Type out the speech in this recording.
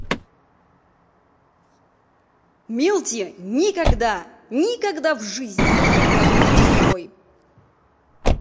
multi ну никогда никогда в жизни подружимся с тобой